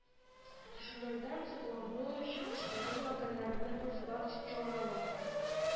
Төшүләрдән саклану өчен, шундый мәкальләрне профилактик чаралар